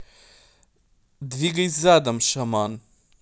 двигай задом shaman